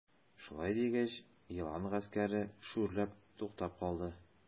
Шулай дигәч, елан гаскәре шүрләп туктап калды.